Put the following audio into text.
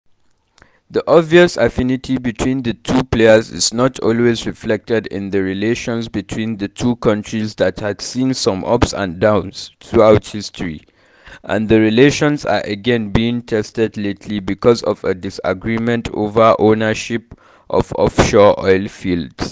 The obvious affinity between the two players is not always reflected in the relations between the two countries that had seen some ups and downs throughout history and the relations are again being tested lately because of a disagreement over ownership of offshore oil fields.